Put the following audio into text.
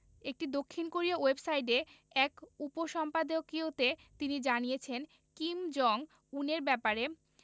একটি দক্ষিণ কোরীয় ওয়েবসাইটে এক উপসম্পাদকীয়তে তিনি জানিয়েছেন কিম জং উনের ব্যাপারে